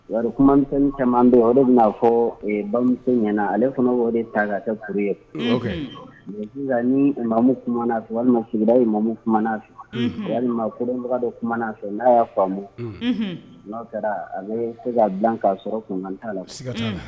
Wari mi caman bɛ de bɛ'a fɔ bamuso ɲɛnaana ale fana o de ta k' kɛ kuru ye mɛ sisan ni mamu kumaa fɛ walima sigira ye mamu fɛ okolonbagadɔ kumaa fɛ n'a y'a faamumu n'a taara ale bɛ se ka bila k'a sɔrɔ kun' la